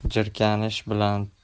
jirkanish bilan